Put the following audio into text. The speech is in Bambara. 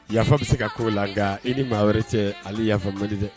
Yafa bɛ se ka ko la nka i ni maa wɛrɛ cɛ ale yafa madi dɛ